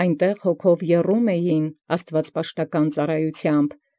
Անդ եռալ հոգւով աստուածապաշտ ծառայութեամբ։